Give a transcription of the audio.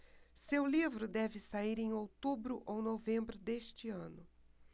seu livro deve sair em outubro ou novembro deste ano